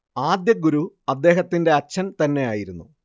ആദ്യ ഗുരു അദ്ദേഹത്തിന്റെ അച്ഛൻ തന്നെയായിരുന്നു